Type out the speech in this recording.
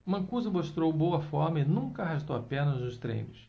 mancuso mostrou boa forma e nunca arrastou a perna nos treinos